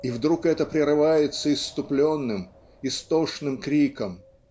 и вдруг это прерывается исступленным, истошным криком